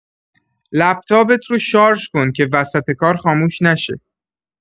لپ‌تاپت رو شارژ کن که وسط کار خاموش نشه